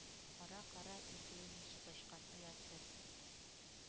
- кара-кара! изүен ничек ачкан... оятсыз!